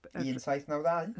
Un saith naw dau?